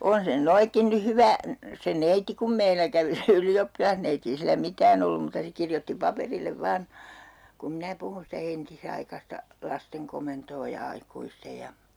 on se nyt noinkin nyt hyvä se neiti kun meillä kävi se ylioppilasneiti ei sillä mitään ollut muuta se kirjoitti paperille vain kun minä puhuin sitä entisaikaista lasten komentoa ja aikuisten ja